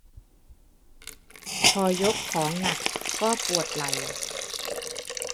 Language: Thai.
พอยกของหนักก็ปวดไหล่